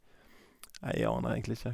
Nei, jeg aner egentlig ikke.